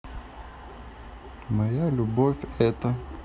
моя любовь это